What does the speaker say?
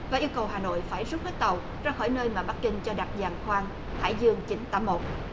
và yêu cầu hà nội phải rút hết tàu ra khỏi nơi mà bắc kinh cho đặt giàn khoan hải dương chín tám một